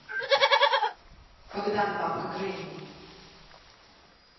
богдан бабка гренни